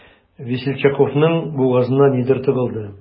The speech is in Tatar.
Весельчаковның бугазына нидер тыгылды.